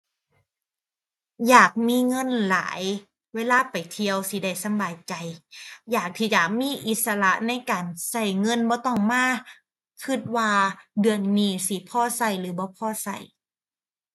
อยากมีเงินหลาย เวลาไปเที่ยวสิได้สำบายใจ อยากที่ยามมีอิสระในการใช้เงิน บ่ต้องมาใช้ว่าเดือนนี้สิพอใช้ หรือบ่พอใช้